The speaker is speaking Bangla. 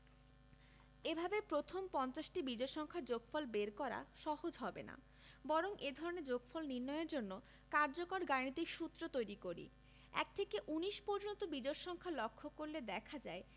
এভাবে প্রথম পঞ্চাশটি বিজোড় সংখ্যার যোগফল বের করা সহজ হবে না বরং এ ধরনের যোগফল নির্ণয়ের জন্য কার্যকর গাণিতিক সূত্র তৈরি করি ১ থেকে ১৯ পর্যন্ত বিজোড় সংখ্যা লক্ষ করলে দেখা যায়